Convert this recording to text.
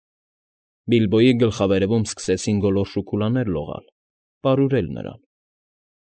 Բիլբոյի գլխավերևում սկսեցին գոլորշու քուլաներ լողալ, պարուրել նրան։